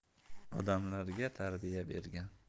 odamlarga tarbiya bergan